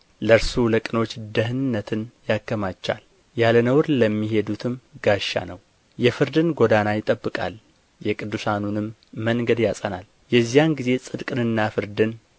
እርሱ ለቅኖች ደኅንነትን ያከማቻል ያለ ነውር ለሚሄዱትም ጋሻ ነው የፍርድን ጎዳና ይጠብቃል የቅዱሳኑንም መንገድ ያጸናል የዚያን ጊዜ ጽድቅንና ፍርድን ቅንነትንና